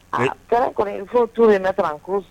A kɛra kɔni foyi tun ye ne kalan n ko